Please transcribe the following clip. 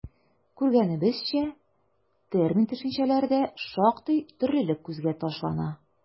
Күргәнебезчә, термин-төшенчәләрдә шактый төрлелек күзгә ташлана.